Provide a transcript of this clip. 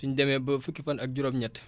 suñ demee ba fukki fan ak juróom-ñett